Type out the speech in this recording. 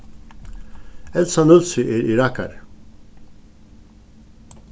elsa nólsoy er irakari